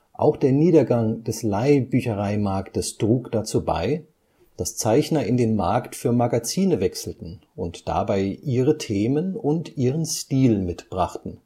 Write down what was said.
Auch der Niedergang des Leihbüchereimarktes trug dazu bei, dass Zeichner in den Markt für Magazine wechselten und dabei ihre Themen und ihren Stil mitbrachten